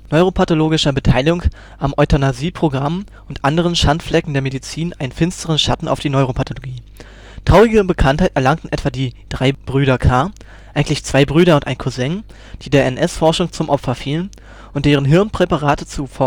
neuropathologischer Beteiligung am Euthanasie-Programm und anderen Schandflecken der Medizin einen finsteren Schatten auf die Neuropathologie. Traurige Bekanntheit erlangten etwa die „ 3 Brüder K “, eigentlich zwei Brüder und ein Cousin, die der NS-Forschung zum Opfer fielen, und deren Hirnpräparate zur Erforschung der